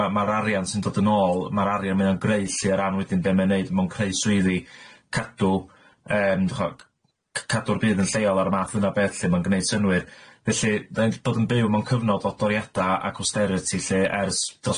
A' ma' ma'r arian sy'n dod yn ôl ma'r arian mae o'n greu lly ar ran wedyn be' ma' neud mewn creu swyddi cadw yym t'mo' g- cadw'r bydd yn lleol ar y math yna o beth lly ma'n gneud synnwyr felly dd- bod yn byw mewn cyfnod o doriada a austerity lly ers dros